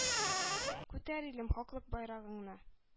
Күтәр, илем, хаклык байрагыңны,